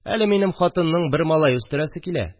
Әле минем хатынның бер малай үстерәсе килә